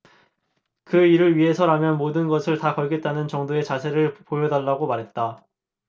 그 일을 위해서라면 모든 것을 다 걸겠다는 정도의 자세는 보여달라고 말했다